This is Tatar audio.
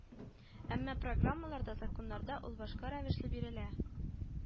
Әмма программаларда, законнарда ул башка рәвешле бирелә